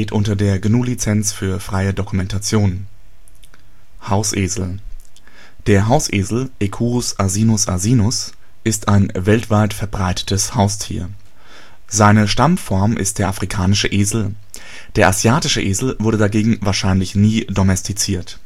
unter der GNU Lizenz für freie Dokumentation. Hausesel Hausesel (Equus asinus asinus) Vorlage:Taxonomy Vorlage:Subclassis: Höhere Säugetiere (Eutheria) Vorlage:Superordo: Laurasiatheria Vorlage:Ordo: Unpaarhufer (Perissodactyla) Vorlage:Familia: Pferde (Equidae) Vorlage:Genus: Equus Vorlage:Species: Haussel Wissenschaftlicher Name Equus asinus asinus Linnaeus Esel-Fohlen im Schlaf Hausesel in einem Freigehege Poitou-Esel Hausesel Der Hausesel (Equus asinus asinus) ist ein weltweit verbreitetes Haustier. Seine Stammform ist der Afrikanische Esel, der Asiatische Esel wurde dagegen wahrscheinlich nie domestiziert